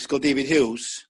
ysgol David Huws